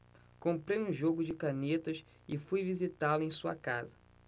comprei um jogo de canetas e fui visitá-lo em sua casa